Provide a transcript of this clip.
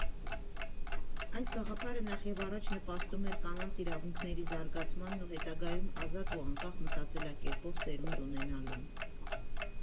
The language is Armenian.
Այս գաղափարը նախևառաջ նպաստում էր կանանց իրավունքների զարգացմանն ու հետագայում ազատ ու անկախ մտածելակերպով սերունդ ունենալուն։